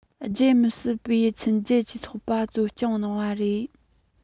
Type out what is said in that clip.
བརྗེད མི སྲིད པའི ཁྱིམ རྒྱུད ཀྱི ཚོགས པ གཙོ སྐྱོང གནང བ རེད